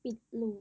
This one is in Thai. ปิดลูป